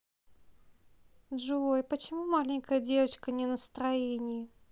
джой почему маленькая девочка не в настроении